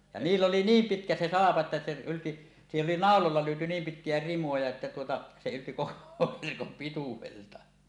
ja niillä oli niin pitkä se salko että se ylti siihen oli naulalla lyöty niin pitkiä rimoja että tuota se ylti koko verkon pituudelta